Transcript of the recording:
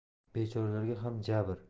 bechoralarga ham jabr